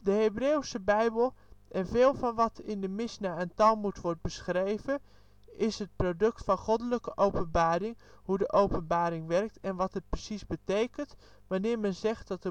Hebreeuwse Bijbel, en veel van wat in de Misjna en Talmoed wordt beschreven, is het product van goddelijke openbaring. Hoe de openbaring werkt, en wat het precies betekent wanneer men zegt dat